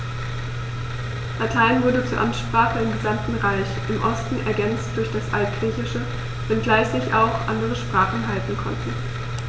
Latein wurde zur Amtssprache im gesamten Reich (im Osten ergänzt durch das Altgriechische), wenngleich sich auch andere Sprachen halten konnten.